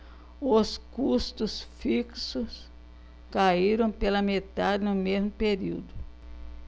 os custos fixos caíram pela metade no mesmo período